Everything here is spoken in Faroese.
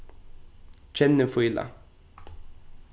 kennifíla